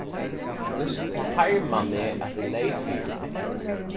tað harmar meg at eg leyg fyri tær